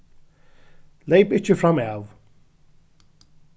leyp ikki framav